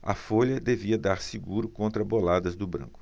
a folha devia dar seguro contra boladas do branco